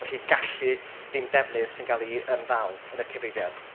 Felly gallu ddim defnydd sy'n gael ei yym ddal yn y cyfrifiad.